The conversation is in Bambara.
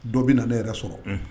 Dɔ bɛ na ne yɛrɛ sɔrɔ